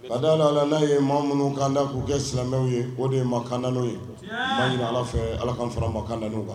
A da ala n'a ye maa minnu kanda k'u kɛ silamɛmɛw ye o de ma kan'o ye ala fɛ ala ka fana ma kand'u